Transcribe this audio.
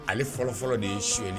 Ale fɔlɔfɔlɔ ni sii